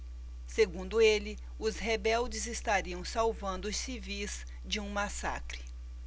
segundo ele os rebeldes estariam salvando os civis de um massacre